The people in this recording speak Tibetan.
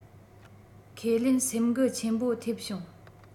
ཁས ལེན སེམས འགུལ ཆེན པོ ཐེབས བྱུང